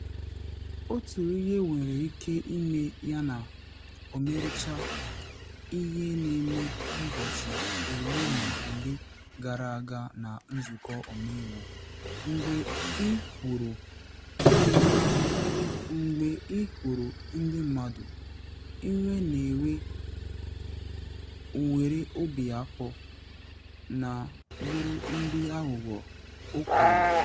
“Otu ihe nwere ike ịme yana ọmarịcha ihe na eme n’ụbọchị ole ma ole gara aga na Nzụkọ Omeiwu, mgbe ị hụrụ iwe ahụ, mgbe ị hụrụ ndị mmadụ iwe na ewe, nwere obi akpọ na bụrụ ndị aghụghọ,” o kwuru.